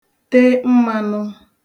te mmānụ̄